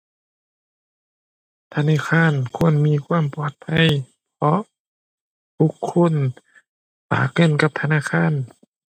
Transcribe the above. ธนาคารควรมีความปลอดภัยเพราะบุคคลฝากเงินกับธนาคาร